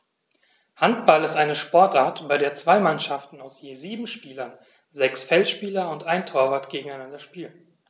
Handball ist eine Sportart, bei der zwei Mannschaften aus je sieben Spielern (sechs Feldspieler und ein Torwart) gegeneinander spielen.